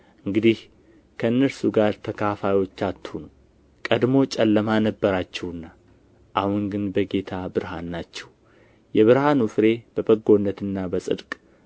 እንግዲህ ከእነርሱ ጋር ተካፋዮች አትሁኑ ቀድሞ ጨለማ ነበራችሁና አሁን ግን በጌታ ብርሃን ናችሁ የብርሃኑ ፍሬ በበጎነትና በጽድቅ